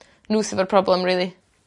n'w sy 'fo'r problem rili.